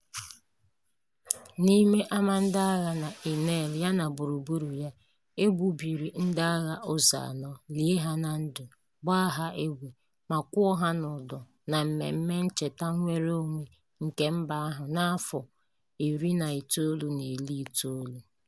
N'ime ámá ndị agha na Inal yana gburugburu ya, e gbubiri ndị agha ụzọ anọ, lie ha na ndụ, gbaa ha egbe, ma kwụọ ha n'ụdọ na mmemme ncheta nnwereonwe nke mba ahụ na 1990.